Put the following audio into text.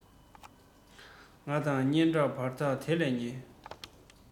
ང དང སྙན གྲགས བར ཐག དེ ལས ཉེ